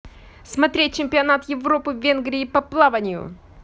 смотреть чемпионат европы венгрии по плаванию